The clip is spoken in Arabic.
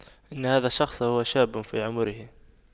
ان هذا الشخص هو شاب في عمره